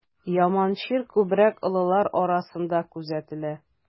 Яман чир күбрәк олылар арасында күзәтелә.